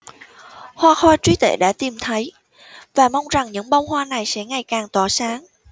hoa khôi trí tuệ đã tìm thấy và mong rằng những bông hoa này sẽ ngày càng tỏa sáng